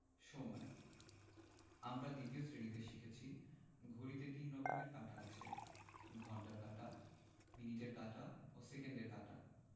সময়ঃ আমরা ২য় শ্রেণিতে শিখেছি ঘড়িতে ৩ রকমের কাঁটা আছে ঘণ্টার কাঁটা মিনিটের কাঁটা ও সেকেন্ডের কাঁটা